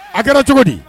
A kɛra cogo di